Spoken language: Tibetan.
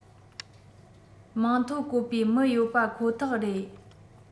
མིང ཐོ བཀོད པའི མི ཡོད པ ཁོ ཐག རེད